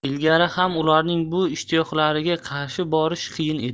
ilgari ham ularning bu ishtiyoqlariga qarshi borish qiyin edi